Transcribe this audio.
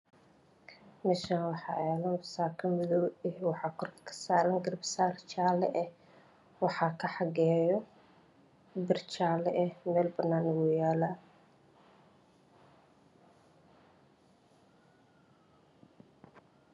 Meeshaan waxaa yaalo saako madow ah waxaa kor kasaaran garbasaar jaale ah. Waxaa kaxageeyo bir jaale ah meel banaana wuu yaalaa.